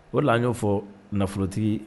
O de an y'o fɔ nafolotigi